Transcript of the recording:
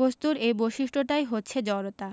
বস্তুর এই বৈশিষ্ট্যটাই হচ্ছে জড়তা